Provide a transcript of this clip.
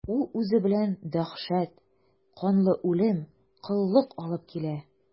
Ул үзе белән дәһшәт, канлы үлем, коллык алып килә.